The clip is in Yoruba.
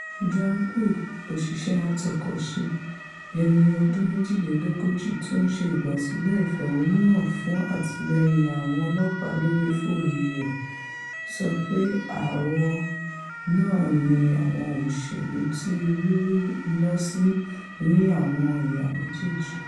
Joan Puig, òṣìṣẹ́ àtọkọ̀ṣe ẹni ọdún méjìlélógójì tó ńṣe ìgbàsílẹ̀ ìfẹ̀hónúhàn hàn fún àtìlẹ́yìn àwọn ọlọ́ọ̀pá lórí fóònu rẹ̀, sọ pé aáwọ̀ nàà ní àwọn òṣèlu ti rú iná sí ní àwọn ìhà méjèèjì.